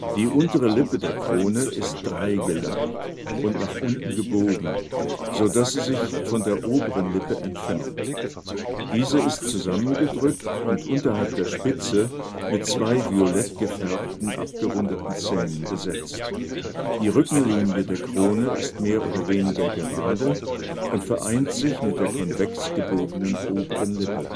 Die untere Lippe der Krone ist dreigelappt und nach unten gebogen, so dass sie sich von der oberen Lippe entfernt. Diese ist zusammengedrückt und unterhalb der Spitze mit zwei violett gefärbten, abgerundeten Zähnen besetzt. Die Rückenlinie der Krone ist mehr oder weniger gerade und vereint sich mit der konvex gebogenen oberen Lippe